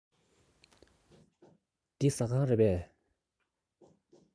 འདི ཟ ཁང རེད པས